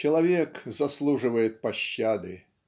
Человек заслуживает пощады.